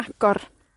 agor.